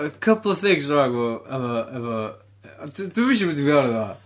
Couple of things wrong efo efo efo... Dwi'm isio mynd i fewn iddo fo.